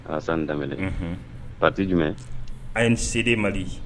Alasani Danbele, unhun, parti jumɛn? ANCD Mali